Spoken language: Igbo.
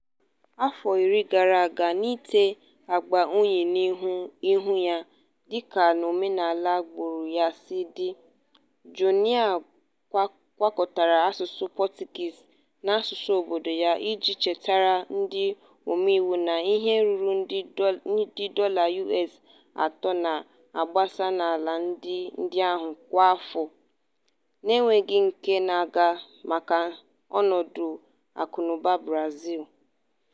Afọ iri gara aga, n'ite agba uhie n'ihu ya, dịka n'omenala agbụrụ ya si dị, Joenia gwakọtara asụsụ Portuguese na asụsụ obodo ya iji chetara ndị omeiwu na ihe ruru nde dollar US atọ na-agbasa n'ala ndị ahụ kwa afọ n'enweghị nke na-aga maka ọnọdụ akụnaụba Brazil.